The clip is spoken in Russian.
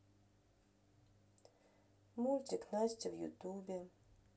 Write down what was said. мультик настя в ютубе